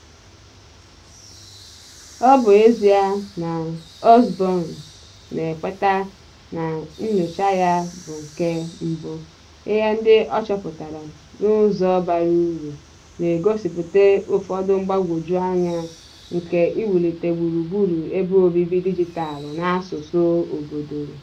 Ọ bụ ezie na Osborn na-ekweta na nyocha ya bụ nke mbụ, ihe ndị ọ chọpụtara n'ụzọ bara uru na-egosipụta ụfọdụ mgbagwoju anya nke iwulite gburugburu ebe obibi dijitalụ n'asụsụ obodo.